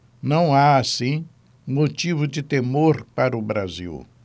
não há assim motivo de temor para o brasil